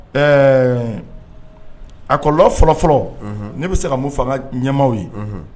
Ɛɛ akɔlɔ fɔlɔfɔlɔ ne bɛ se ka mun fanga ɲɛmaw ye